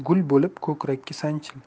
gul bo'lib ko'krakka sanchil